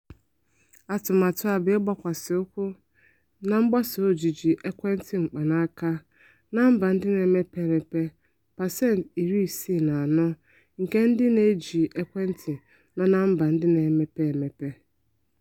Atụmatụ a bụ ịgbakwasị ụkwụ na mgbasa ojiji ekwentị mkpanaaka na mba ndị na-emepe emepe - pasent 64 nke ndị na-eji ekwentị nọ na mba ndị na-emepe emepe.